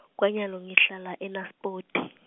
kwanyalo ngihlala eNaspoti.